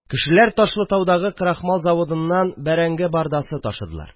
Кешеләр Ташлытаудагы крахмал заводыннан бәрәңге бардасы ташыдылар